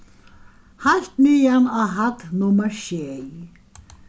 heilt niðan á hædd nummar sjey